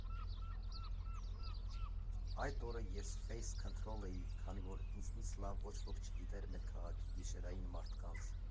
Այդ օրը ես ֆեյս քընթրոլ էի, քանի որ ինձնից լավ ոչ ոք չգիտեր մեր քաղաքի գիշերային մարդկանց։